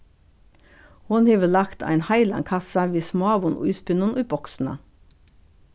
hon hevur lagt ein heilan kassa við smáum íspinnum í boksina